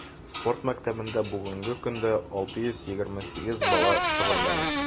Спорт мәктәбендә бүгенге көндә 628 бала шөгыльләнә.